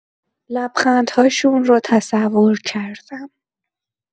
لبخندهاشون رو تصور کردم.